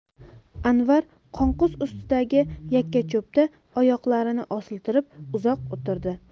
anvar qonqus ustidagi yakkacho'pda oyoqlarini osiltirib uzoq o'tirdi